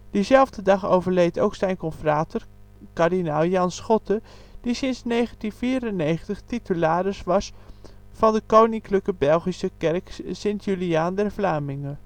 Diezelfde dag overleed ook zijn confrater kardinaal Jan Schotte, die sinds 1994 titularis was van de Koninklijke Belgische kerk Sint-Juliaan-der-Vlamingen